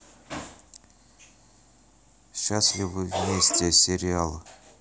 счастливы вместе сериал